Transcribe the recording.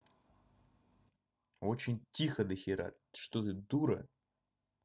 очень тихо дохера что ты дура